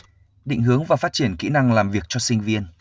định hướng và phát triển kỹ năng làm việc cho sinh viên